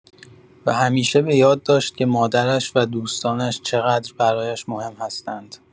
و همیشه بۀاد داشت که مادرش و دوستانش چقدر برایش مهم هستند.